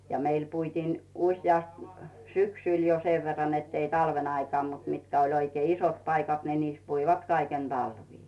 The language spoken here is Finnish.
ja meillä puitiin useasti syksyllä jo sen verran että ei talven aikaan mutta mitkä oli oikein isot paikat niin niissä puivat kaiken talvea